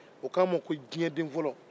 u ko a ma ko diɲɛ den fɔlɔ